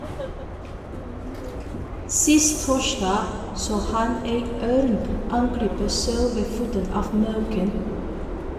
Sist torsdag så han ei ørn angripe sau ved foten av Mauken.